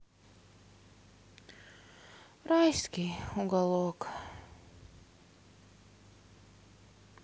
райский уголок